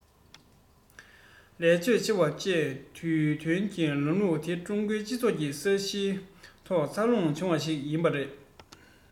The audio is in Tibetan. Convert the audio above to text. ལས ཕྱོད ཆེ བ བཅས བྱུང དོན ནི ལམ ལུགས དེ ཀྲུང གོའི སྤྱི ཚོགས ཀྱི ས གཞིའི ཐོག འཚར ལོངས བྱུང བ ཞིག ཡིན པས རེད